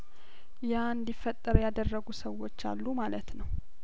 ያእንዲፈጠር ያደረጉ ሰዎች አሉ ማለት ነው